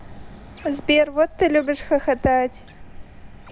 сбер вот ты любишь хохотать